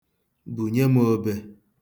Bunye m obe.